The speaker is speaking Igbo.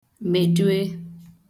mèdue